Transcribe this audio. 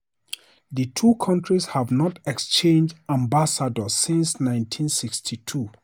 The two countries have not exchanged ambassadors since 1962.